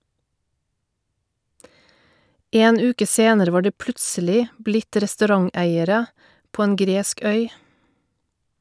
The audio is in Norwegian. En uke senere var de plutselig blitt restauranteiere på en gresk øy.